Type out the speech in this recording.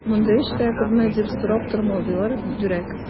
Мондый эштә күпме дип сорап тормыйлар, дүрәк!